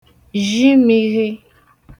zhi mirghi